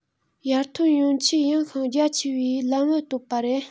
ཡར ཐོན ཡོང ཆེད ཡངས ཤིང རྒྱ ཆེ བའི ལམ བུ གཏོད པ རེད